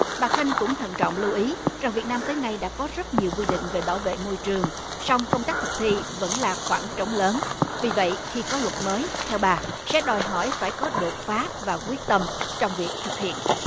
bà khanh cũng thận trọng lưu ý rằng việt nam tới nay đã có rất nhiều quy định về bảo vệ môi trường song công tác thực thi vẫn là khoảng trống lớn vì vậy khi có luật mới theo bà sẽ đòi hỏi phải có đột phá và quyết tâm trong việc thực hiện